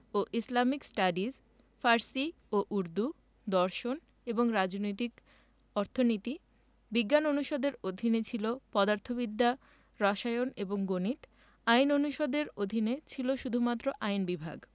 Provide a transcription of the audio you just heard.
ও Islamic studies Farsi ও উর্দু দর্শন এবং রাজনৈতিক অর্থনীতি বিজ্ঞান অনুষদের অধীনে ছিল পদার্থবিদ্যা রসায়ন এবং গণিত আইন অনুষদের অধীনে ছিল শুধুমাত্র আইন বিভাগ